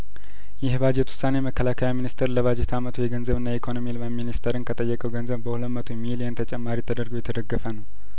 ይህ የባጀት ውሳኔ መከላከያ ሚኒስቴር ለባጀት አመቱ የገንዘብና የኢኮኖሚ ልማት ሚኒስቴርን ከጠየቀው ገንዘብ በሁለት መቶ ሚሊየን ተጨማሪ ተደርጐ የተደገፈ ነው